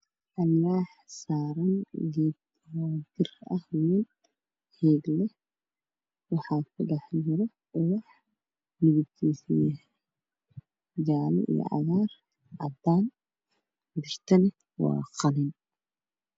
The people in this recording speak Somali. Alwaad saaran geed dushiisa waxaa ku dhex juro ubax jaalle